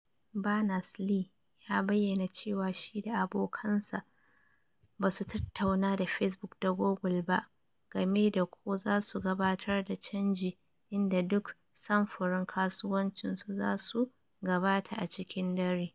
Berners-Lee ya bayyana cewa shi da abokansa ba su tatauna da "Facebook da Google ba game da ko za su gabatar da canji inda duk samfurin kasuwancin su za su gabata a cikin dare.